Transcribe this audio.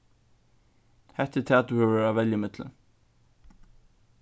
hetta er tað tú hevur at velja ímillum